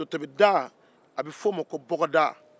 totobi a bɛ f'o ma ko bɔgɔdaga